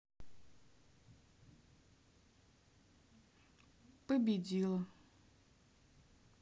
победила